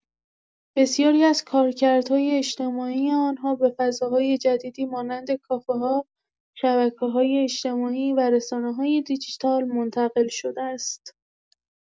بسیاری از کارکردهای اجتماعی آن‌ها به فضاهای جدیدی مانند کافه‌ها، شبکه‌های اجتماعی و رسانه‌های دیجیتال منتقل شده است.